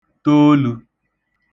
toolū